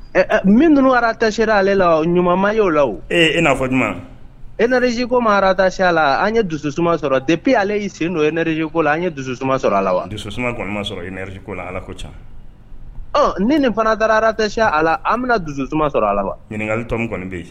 Ɛ minuntasɛ ale la ɲumanumamaa y' o la ee e n'a fɔ ɲuman e narezkomarataya a la an ye dususuma sɔrɔ depi ale y' sen don o yeɛrezeko la an ye dususumama sɔrɔ a la wa dususumama sɔrɔretiko la ala ko ca ne nin fana da araratacya a la an bɛna dusu tasuma sɔrɔ ala la ɲininkakalito kɔni bɛ yen